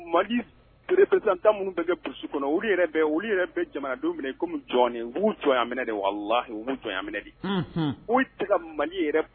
Psan tan minnu yɛrɛ jamana kɔmi jɔn u mali yɛrɛ